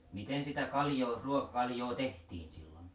miten sitä kaljaa ruokakaljaa tehtiin silloin